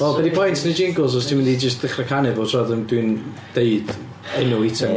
Wel, be 'di point wneud jingles os ti'n mynd i jyst ddechrau canu bob tro dwi dwi'n deud enw eitem.